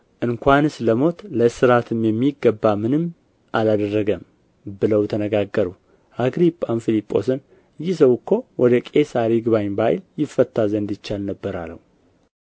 እንኳንስ ለሞት ለእስራትም የሚገባ ምንም አላደረገ ብለው ተነጋገሩ አግሪጳም ፈስጦስን ይህ ሰው እኮ ወደ ቄሣር ይግባኝ ባይል ይፈታ ዘንድ ይቻል ነበር አለው